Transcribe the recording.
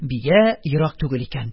Бия ерак түгел икән.